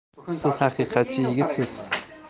siz haqiqatchi yigitsiz